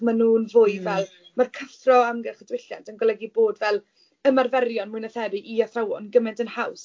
Maen nhw'n fwy fel, mae'r cyffro amgylch y diwylliant yn golygu bod fel ymarferion mwy na thebyg i athrawon gymaint yn haws.